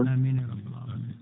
amine ya rabbal alamina